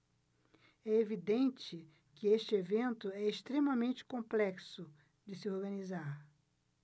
é evidente que este evento é extremamente complexo de se organizar